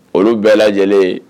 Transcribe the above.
Olu bɛɛ lajɛlen